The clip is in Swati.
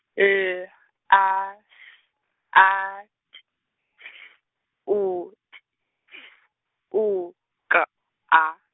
L A S A T F U T F U K A.